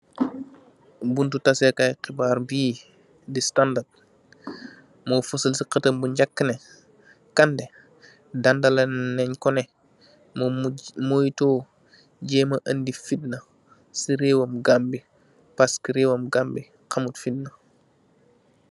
Buntu tasee kaay khibaar bii, di standard, mo feuseul si kheuteum bu nyak neh, Kandeh, dandalal nen ko neh, mu moytoo jaimah andi fitna si raiwam Gambie, paski raiwam khamunge fitnah.